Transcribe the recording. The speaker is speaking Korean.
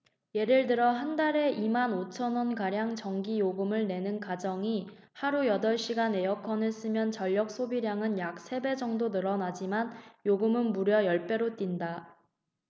예를 들어 한 달에 이 만 오천 원가량 전기요금을 내는 가정이 하루 여덟 시간 에어컨을 쓰면 전력 소비량은 약 세 배 정도 늘어나지만 요금은 무려 열 배로 뛴다